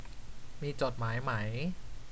มีจดหมายไหม